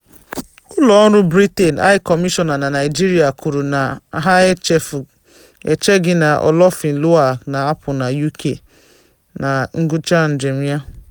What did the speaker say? Ụlọọrụ Britain High Commission na Naịjirịa kwuru na ha "echeghị" na Olofinlua ga-apụ na UK na ngwụchaa njem ya.